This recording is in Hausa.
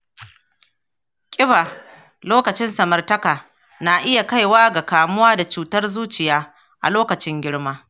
ƙiba lokacin samartaka na iya kaiwa ga kamuwa da cutar zuciya a lokacin girma.